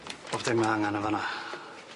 Pob dim mae angan yn fan 'na.